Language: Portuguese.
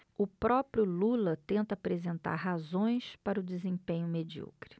o próprio lula tenta apresentar razões para o desempenho medíocre